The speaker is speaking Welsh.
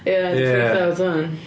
Ia... Ia dwi'n freaked out wan.